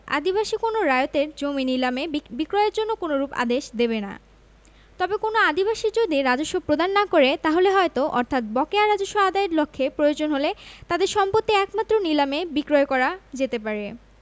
আদিবাসী কোন রায়তের জমি নিলামে বিক্রয়ের জন্য কোনরূপ আদেশ দেবেনা তবে কোনও আদিবাসী যদি রাজস্ব প্রদান না করে তাহলে হয়ত অর্থাৎ বকেয়া রাজস্ব আদাযের লক্ষে প্রয়োজন হলে তাদের সম্পত্তি একমাত্র নিলামে বিক্রয় করা যেতে পারে